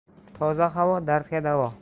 toza havo dardga davo